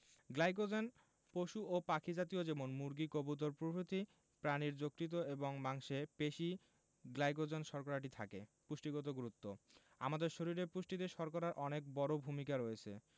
glycogen পশু ও পাখি জাতীয় যেমন মুরগি কবুতর প্রভৃতি প্রাণীর যকৃৎ এবং মাংসে পেশি গ্লাইকোজেন শর্করাটি থাকে পুষ্টিগত গুরুত্ব আমাদের শরীরের পুষ্টিতে শর্করার অনেক বড় ভূমিকা রয়েছে